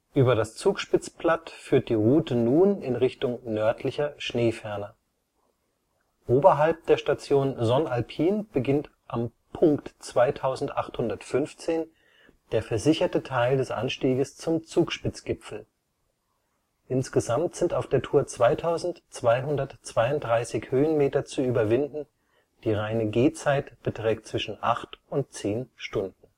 Über das Zugspitzplatt führt die Route nun in Richtung Nördlicher Schneeferner. Oberhalb der Station Sonn-Alpin beginnt am Punkt 2815 der versicherte Teil des Anstieges zum Zugspitzgipfel. Insgesamt sind auf der Tour 2232 Höhenmeter zu überwinden, die reine Gehzeit beträgt zwischen acht und zehn Stunden